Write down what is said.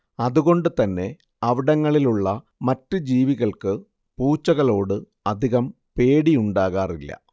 അതുകൊണ്ട് തന്നെ അവിടങ്ങളിലുള്ള മറ്റ് ജീവികൾക്ക് പൂച്ചകളോട് അധികം പേടിയുണ്ടാകാറില്ല